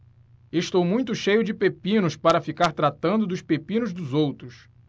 estou muito cheio de pepinos para ficar tratando dos pepinos dos outros